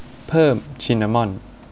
เพิ่มซินนามอน